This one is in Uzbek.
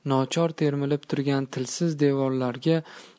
nochor termilib turgan tilsiz devorlarga